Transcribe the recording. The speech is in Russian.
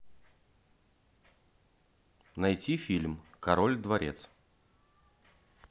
найти фильм король дворец